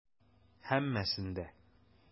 Һәммәсен дә.